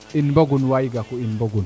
in mbogun waay gaku i mbogun